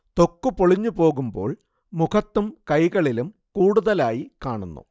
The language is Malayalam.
ത്വക്ക് പൊളിഞ്ഞു പോകുമ്പോൾ മുഖത്തും കൈകളിലും കൂടുതലായി കാണുന്നു